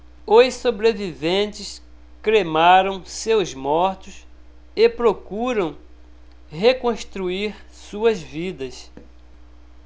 os sobreviventes cremaram seus mortos e procuram reconstruir suas vidas